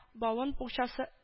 Бавын букчасы